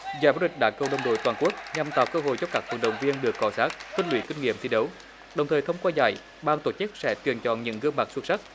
giải vô địch đá cầu đồng đội toàn quốc nhằm tạo cơ hội cho các cổ động viên được cọ xát tích lũy kinh nghiệm thi đấu đồng thời thông qua giải ban tổ chức sẽ tuyển chọn những gương mặt xuất sắc